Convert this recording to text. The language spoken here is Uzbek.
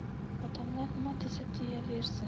odamlar nima desa deyaversin